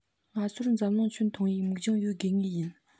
ང ཚོར འཛམ གླིང ཁྱོན མཐོང བའི མིག རྒྱང ཡོད དགོས ངེས ཡིན